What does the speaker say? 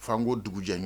F'an ko dugu jɛ ɲɔ